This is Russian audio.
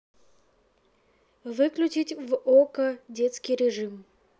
выключить в okko детский режим